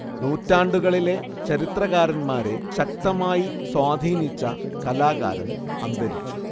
നൂറ്റാണ്ടുകളിലെ ചിത്രകാരന്മാരെ ശക്തമായി സ്വാധീനിച്ച കലാകാരൻ അന്തരിച്ചു